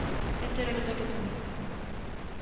Эт өрергә тотынды